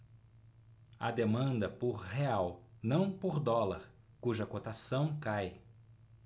há demanda por real não por dólar cuja cotação cai